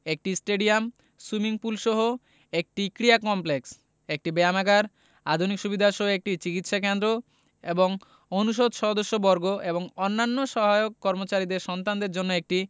একটি stadium swimming পুলসহ একটি ক্রীড়া কমপ্লেক্স একটি ব্যায়ামাগার আধুনিক সুবিধাসহ একটি চিকিৎসা কেন্দ্র এবং অনুষদ সদস্যবর্গ ও অন্যান্য সহায়ক কর্মচারীদের সন্তানদের জন্য একটি